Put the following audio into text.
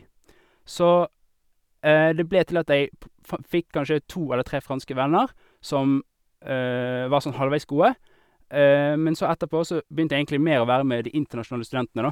Så det ble til at jeg po fa fikk kanskje to eller tre franske venner som var sånn halvveis gode, men så etterpå så begynte jeg egentlig mer å være med de internasjonale studentene, da.